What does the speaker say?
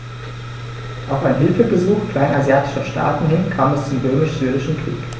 Auf ein Hilfegesuch kleinasiatischer Staaten hin kam es zum Römisch-Syrischen Krieg.